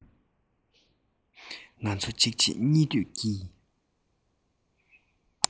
ང ཚོ གཅིག རྗེས གཉིས མཐུད ཀྱིས